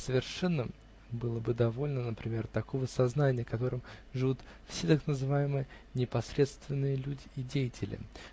Совершенно было бы довольно, например, такого сознания, которым живут все так называемые непосредственные люди и деятели.